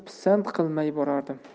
pisand qilmay borardim